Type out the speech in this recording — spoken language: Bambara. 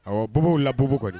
Ɔwɔ, bobow la bo koni